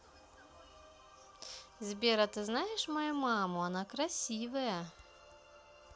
сбер а ты знаешь мою маму она красивая